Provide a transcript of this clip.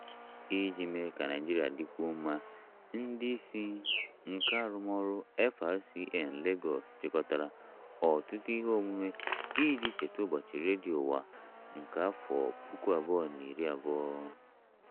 Iji mee ka Naịjirịa dịkwuo mma, ndị isi nke Arụmọrụ FRCN Lagos chịkọtara ọtụtụ ihe omume iji cheta Ụbọchị Redio Uwa 2020.